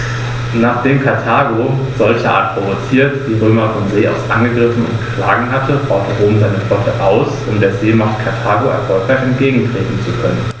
Nachdem Karthago, solcherart provoziert, die Römer von See aus angegriffen und geschlagen hatte, baute Rom seine Flotte aus, um der Seemacht Karthago erfolgreich entgegentreten zu können.